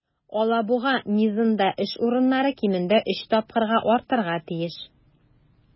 "алабуга" мизында эш урыннары кимендә өч тапкырга артарга тиеш.